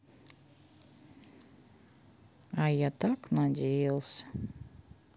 а я так надеялся